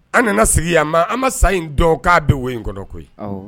An nana sigi a ma an ma sa in dɔn k'a bɛ wo in kɔrɔ koyi